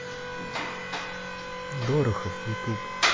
дорохов ютуб